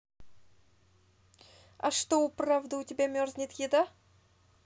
а что у правды у тебя мерзнет еда